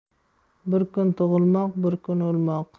bir kun tug'ilmoq bir kun o'lmoq